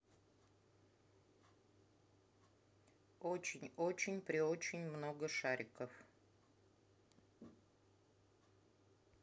очень очень преочень много шариков